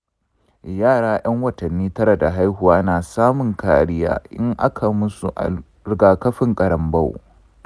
yara yan watanni tara da haihuwa na samun kariya in aka musu rigakafin karonbo